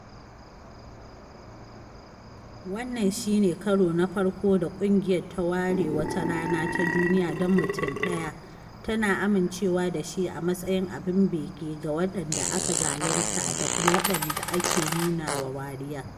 Wannan shi ne karo na farko da ƙungiyar ta ware wata rana ta duniya don mutum ɗaya, tana amincewa da shi a matsayin abin bege ga waɗanda aka zalunta da kuma waɗanda ake nuna wa wariya.